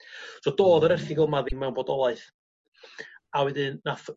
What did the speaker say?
So dodd yr erthygl 'ma ddim mewn bodolaeth a wedyn nath